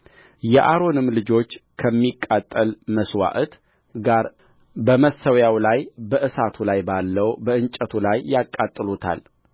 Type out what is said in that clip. የአሮንም ልጆች ከሚቃጠል መሥዋዕት ጋር በመሠዊያው ላይ በእሳቱ ላይ ባለው በእንጨቱ ላይ ያቃጥሉታል